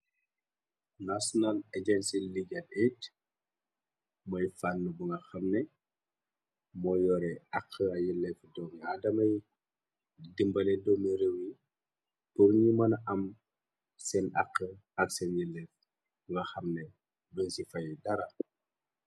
Nasional agency liagat a mooy fànn bu nga xamne mooy yore ax ayu leefu doomi aadamay dimbale doomi réew yi pur ñi mëna am seen aq ak seen yi leef bunga xamne ben ci fayu dara.